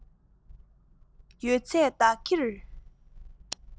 ཡོད ཚད བདག གིར